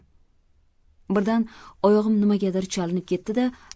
birdan oyog'im nimagadir chalinib ketdi da